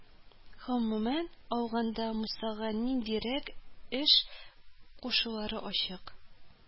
Гомумән алганда, Мусага ниндирәк эш кушулары ачык